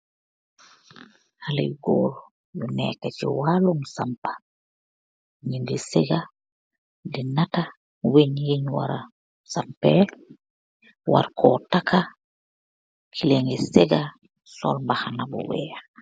Haleh yu gorr, yu neka chi walum sampa, nyungi sega, di natta, wein yun wara sampeh, warko taka, kele yangeh sega, sol mbahana bu weakh.